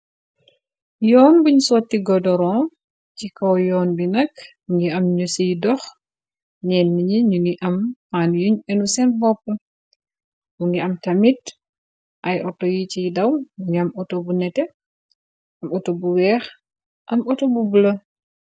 Yoon buñ sotti godoron chi kaw yoon bi nag mu ngi am ñu ci doh. Ñenn ñi ñu ngi am pann yuñ enu senn boppu. mungi am tamit ay auto yi chi daw mungi am auto bu nètè, am auto bu weeh am auto bu bula.